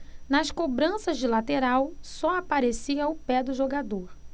nas cobranças de lateral só aparecia o pé do jogador